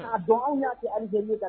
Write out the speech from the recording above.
A dɔn an'a alizj kan